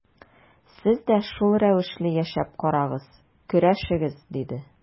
Сез дә шул рәвешле яшәп карагыз, көрәшегез, диде.